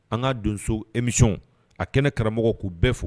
An k'a donso emi a kɛnɛ karamɔgɔ k'u bɛɛ fo